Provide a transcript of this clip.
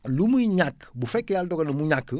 lu muy ñàkk bu fekkee yàlla dogal na mu ñàkk